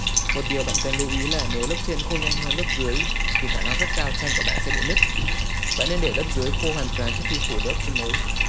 một điều bạn cần lưu ý lả nếu lớp trên khô nhanh hơn lớp dưới thì khả năng rất cao tranh của bạn sẽ bị nứt bạn nên để lớp dưới khô hoàn toàn trước khi phủ lớp sơn mới